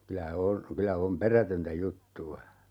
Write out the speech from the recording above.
kyllä on kyllä on perätöntä juttua